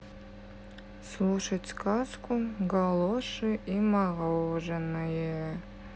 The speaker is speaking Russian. слушать сказку галоши и мороженое